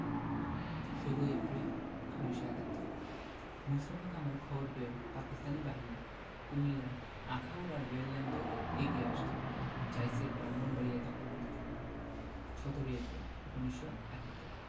১৬ April ১৯৭১ Mostafa Kamal খবর পেলেন পাকিস্তানি বাহিনী কুমিল্লার আখাউড়া রেললাইন ধরে এগিয়ে আসছে চাইছে ব্রাহ্মনবাড়িয়া দখল করতে ১৭ এপ্রিল ১৯৭১